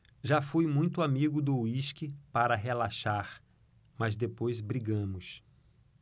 já fui muito amigo do uísque para relaxar mas depois brigamos